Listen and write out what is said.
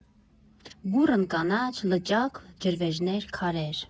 Բուռն կանաչ, լճակ, ջրվեժներ, քարեր։